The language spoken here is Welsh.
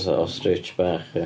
Fatha ostrich bach ia?